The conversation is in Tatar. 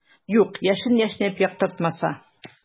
Юк, яшен яшьнәп яктыртмаса.